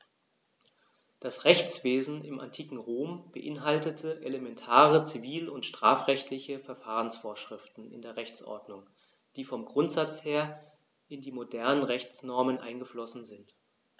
Das Rechtswesen im antiken Rom beinhaltete elementare zivil- und strafrechtliche Verfahrensvorschriften in der Rechtsordnung, die vom Grundsatz her in die modernen Rechtsnormen eingeflossen sind.